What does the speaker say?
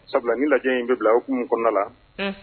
Sabula ni lajɛ in bɛ bila okumu kɔnɔna la